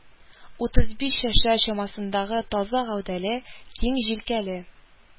Утыз биш яшьләр чамасындагы таза гәүдәле, киң җилкәле